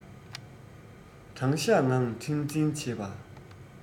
དྲང གཞག ངང ཁྲིམས འཛིན བྱེད པ